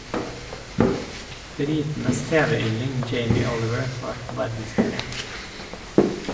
Britenes tv-yndling Jamie Oliver har vært på verdensturné.